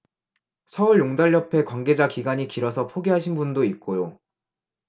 서울용달협회 관계자 기간이 길어서 포기하신 분도 있고요